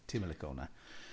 Ti ddim yn licio hwnna .